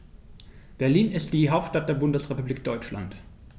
Berlin ist die Hauptstadt der Bundesrepublik Deutschland.